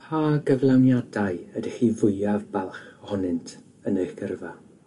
Pa gyflawniadau ydych chi fwyaf balch ohonynt yn eich gyrfa?